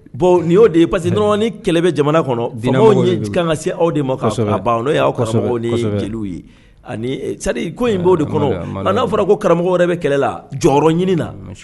Bon y'o de parce que kɛlɛ bɛ jamana kɔnɔ ka se aw de ma aw ka jeliw ye ani ko' de kɔnɔ a n'a fɔra ko karamɔgɔ wɛrɛ bɛ kɛlɛla jɔyɔrɔ ɲini na